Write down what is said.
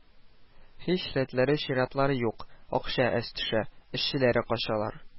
Һич рәтләре-чиратлары юк, акча әз төшә, эшчеләре качалар